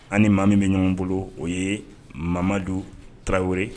An ni maa min bɛ ɲɔgɔn bolo o ye mamamadu taraweleyɔri